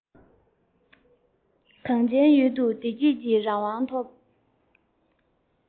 གངས ཅན ཡུལ དུ བདེ སྐྱིད ཀྱི རང དབང ཐོབ